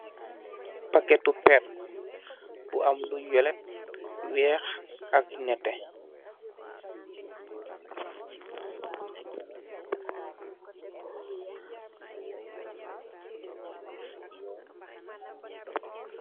Paketu per bu am lu yelet, weex ak nette